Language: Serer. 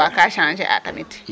Kaa changer a tamit.